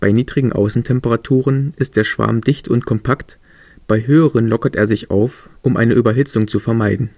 niedrigen Außentemperaturen ist der Schwarm dicht und kompakt, bei höheren lockert er sich auf, um eine Überhitzung zu vermeiden